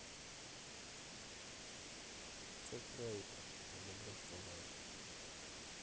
как правильно подобрать казан